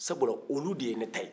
sabula olu de ye ne ta ye